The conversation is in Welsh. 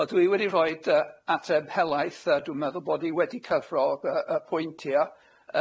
Wel dwi wedi rhoid yy ateb helaeth yy dwi'n meddwl bod i wedi cyfro yy y pwyntia.